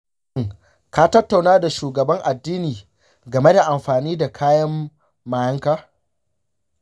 shin ka tattauna da shugaban addini game da amfani da kayan mayenka?